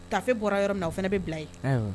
Taafe bɔra yɔrɔ minna o fana bɛ bila yen